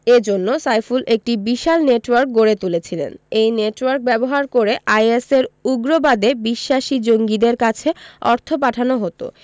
এ জন্য সাইফুল একটি বিশাল নেটওয়ার্ক গড়ে তুলেছিলেন এই নেটওয়ার্ক ব্যবহার করে আইএসের উগ্রবাদে বিশ্বাসী জঙ্গিদের কাছে অর্থ পাঠানো হতো